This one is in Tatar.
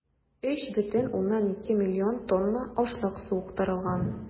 3,2 млн тонна ашлык суктырылган.